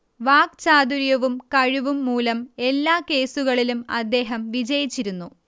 വാക്ചാതുര്യവും കഴിവും മൂലം എല്ലാ കേസുകളിലും അദ്ദേഹം വിജയിച്ചിരുന്നു